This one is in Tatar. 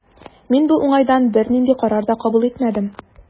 Мин бу уңайдан бернинди карар да кабул итмәдем.